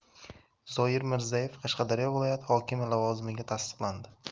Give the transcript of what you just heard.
zoir mirzayev qashqadaryo viloyati hokimi lavozimiga tasdiqlandi